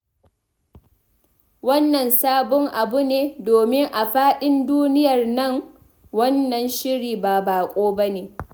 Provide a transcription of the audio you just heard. Wannan sabon abu ne, domin a faɗin duniyar nan, wannan shiri ba baƙo ba ne.